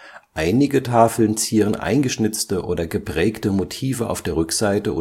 Einige Tafeln zieren eingeschnitzte oder geprägte Motive auf der Rückseite